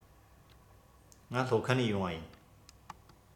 ང ལྷོ ཁ ནས ཡོང པ ཡིན